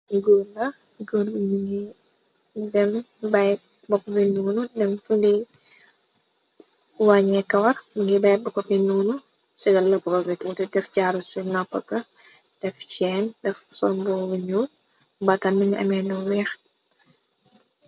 Gornda gor b bi ngi dem bày bako pinuunu dem fundi wañee kawar ngi bay bako pinuunu sigaapobtote def jaaru ci nappaka def ceen def sonbo buñur batal bini amee lu weex.